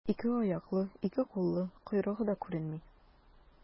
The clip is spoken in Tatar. Ике аяклы, ике куллы, койрыгы да күренми.